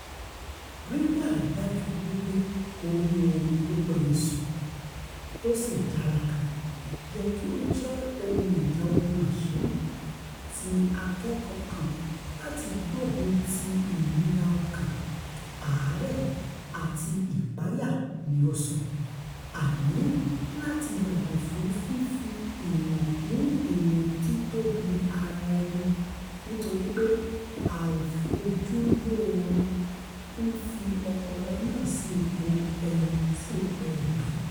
Ríríi dájú wí pé ó rí oorun tópéye sùn, tósì dára kan, yẹ kí ó jẹ́ 'ohun ìjà ogun àṣírí' ti akẹ́kọ̀ọ́ kan láti gbógun ti ìnira-ọkàn, àárẹ̀, àti ìpayà, ni ó sọ - àni láti yàgò fún fífi ìwọn kún ìwọn títóbi ara-ẹni, nítorípe àìfójúlóoorun ńfi ọpọlọ náà sí ipò ebi, tósì ńjẹ́kí ebi máa pa wọ́n nígbà gbogbo.